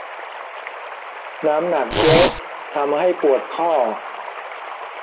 น้ำหนักเยอะทำให้ปวดข้อ